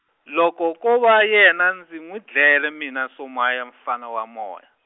loko ko va yena ndzi n'wi dlele mina Somaya mfana wa moya.